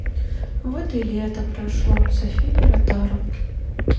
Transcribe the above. вот и лето прошло софия ротару